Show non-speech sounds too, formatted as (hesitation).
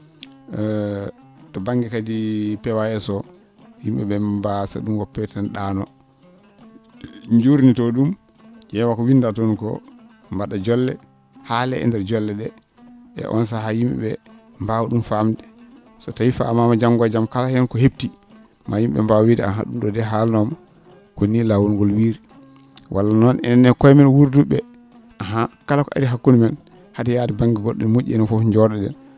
(hesitation) to ba?nge kadi POAS o yim?e?e mbasa ?um woppede tan ?aano jurnito ?um ?ewa ko winda toon ko mba?a jolle haala e ndeer jolle ?e e on sahaa yim?e ?e mbaawa ?um faamde so tawii famaama janngo e jam kala heen ko hepti ma yim?e ?ee mbaw wiide ahan ?um ?oo de haalanooma ko nii laawol ngol wiiri walla noon enenne koye men wuurdu?e ?ee ahan kala ko ari hakkunde men haade yaade ba?nge go??o ene mo??i ene fof joo?o?en